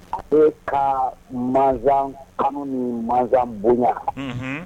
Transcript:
A be kaa masan kanu ni masan boɲa unhun